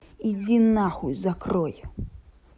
иди нахуй закрой